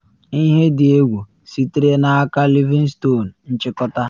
‘Ihe dị egwu’ sitere n’aka Livingston - nchịkọta